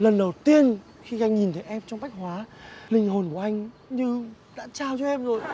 lần đầu tiên khi anh nhìn thấy em trong bách hóa linh hồn của anh như đã trao cho em rồi